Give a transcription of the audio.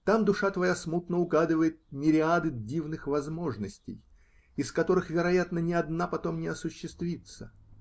Там душа твоя смутно угадывает мириады дивных возможностей, из которых, вероятно, ни одна потом не осуществится.